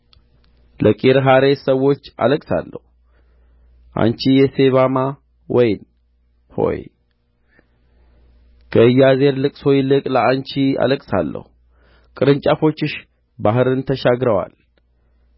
ለቂርሔሬስ ሰዎች አለቅሳለሁ አንቺ የሴባማ ወይን ሆይ ከኢያዜር ልቅሶ ይልቅ ለአንቺ አለቅሳለሁ ቅርንጫፎችሽ ባሕርን ተሻግረዋል